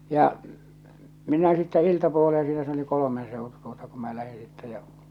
ja minä sitten iltapuoleen siinä se oli kolmen seutu tuota kun minä lähdin sitten ja